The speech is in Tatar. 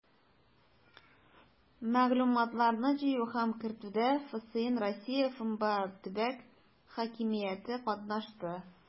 Мәгълүматларны җыю һәм кертүдә ФСИН, Россия ФМБА, төбәк хакимияте катнашты.